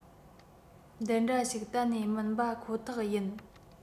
འདི འདྲ ཞིག གཏན ནས མིན པ ཁོ ཐག ཡིན